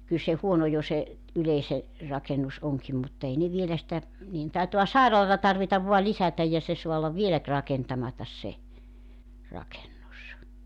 kyllä se huono jo se yleisen rakennus onkin mutta ei ne vielä sitä niiden taitaa sairaalaa tarvita vain lisätä ja se saa olla vielä - rakentamatta se rakennus